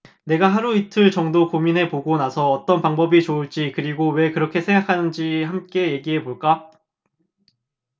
네가 하루 이틀 정도 고민해 보고 나서 어떤 방법이 좋을지 그리고 왜 그렇게 생각하는지 함께 얘기해 볼까